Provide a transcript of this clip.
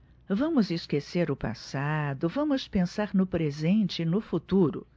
vamos esquecer o passado vamos pensar no presente e no futuro